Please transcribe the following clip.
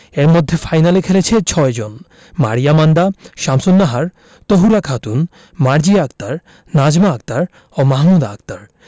এর মধ্যে ফাইনালে খেলেছে ৬ জন মারিয়া মান্দা শামসুন্নাহার তহুরা খাতুন মার্জিয়া আক্তার নাজমা আক্তার ও মাহমুদা আক্তার